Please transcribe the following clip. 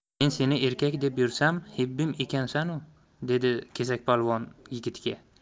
men seni erkak deb yursam hebbim ekansan ku dedi kesakpolvon yigitga